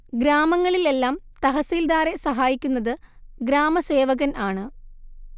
ഗ്രാമങ്ങളിൽ എല്ലാം തഹസിൽദാറെ സഹായിക്കുന്നത് ഗ്രാമസേവകൻ ആണ്